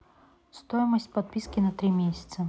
стоимость подписки на три месяца